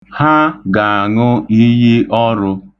Ha ga-aṅụ iyi ọrụ.